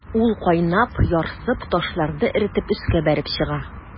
Ул кайнап, ярсып, ташларны эретеп өскә бәреп чыга.